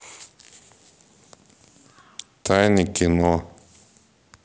тайны кино